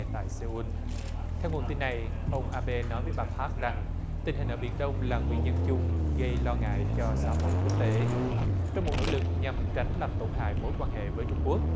tại sê un theo nguồn tin này ông a bê nói với bà pác rằng tình hình ở biển đông là nguyên nhân chung gây lo ngại cho xã hội quốc tế trong một nỗ lực nhằm tránh làm tổn hại mối quan hệ với trung quốc